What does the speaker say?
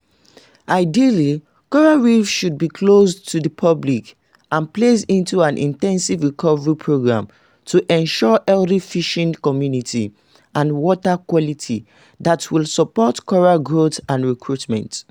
Ideally, coral reefs should be closed to the public and placed into an intensive recovery programme to ensure healthy fish communities and water quality that will support coral growth and recruitment.